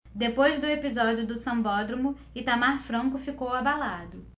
depois do episódio do sambódromo itamar franco ficou abalado